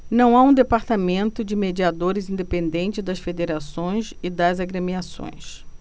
não há um departamento de mediadores independente das federações e das agremiações